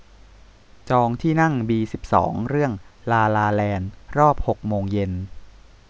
จองที่นั่งบีสิบสองเรื่องลาลาแลนด์รอบหกโมงเย็น